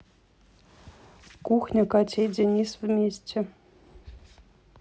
кухня катя и денис вместе